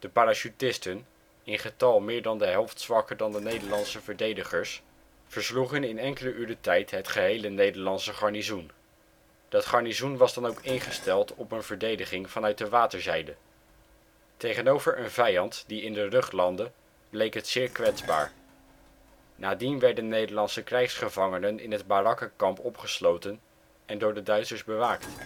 parachutisten, in getal meer dan de helft zwakker dan de Nederlandse verdedigers, versloegen in enkele uren tijd het gehele Nederlandse garnizoen. Dat garnizoen was dan ook ingesteld op een verdediging vanuit de waterzijde. Tegenover een vijand die in de rug landde bleek het zeer kwetsbaar. Nadien werden Nederlandse krijgsgevangenen in het barakkenkamp opgesloten en door de Duitsers bewaakt